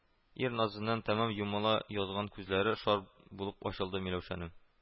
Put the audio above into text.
Ир назыннан тәмам йомыла язган күзләре шар булып ачылды Миләүшәнең